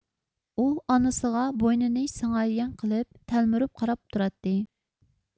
ئۇ ئانىسىغا بوينىنى سىڭاريان قىلىپ تەلمۈرۈپ قاراپ تۇراتتى